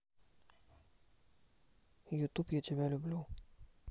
ютуб я тебя люблю